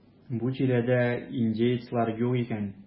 Бу тирәдә индеецлар юк икән.